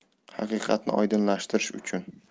haqiqatni oydinlashtirish uchun